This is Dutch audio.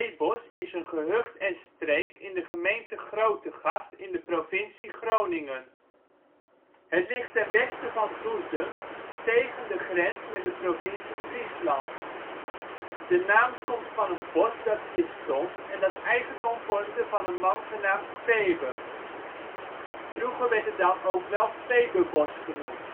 Piebos) is een gehucht en streek in de gemeente Grootegast in de provincie Groningen. Het ligt ten westen van Doezum tegen de grens met de provincie Friesland. De naam komt van een bos dat hier stond en dat eigendom vormde van een man genaamd Pebe (Piebe). Vroeger werd het dan ook wel Pebebosch genoemd